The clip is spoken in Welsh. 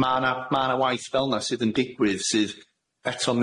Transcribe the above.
ma' na ma' na waith felna sydd yn digwydd sydd eto'n